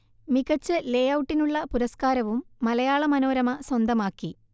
മികച്ച ലേ ഔട്ടിനുള്ള പുരസ്കാരവും മലയാള മനോരമ സ്വന്തമാക്കി